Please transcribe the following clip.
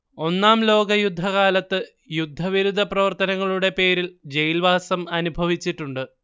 ഒന്നാം ലോകയുദ്ധകാലത്ത് യുദ്ധവിരുദ്ധ പ്രവർത്തനങ്ങളുടെ പേരിൽ ജയിൽവാസം അനുഭവിച്ചിട്ടുണ്ട്